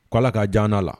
K' ala k ka jan la